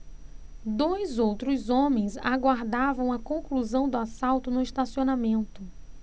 dois outros homens aguardavam a conclusão do assalto no estacionamento